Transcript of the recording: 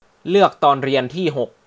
เลือกตอนเรียนที่หก